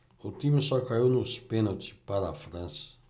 o time só caiu nos pênaltis para a frança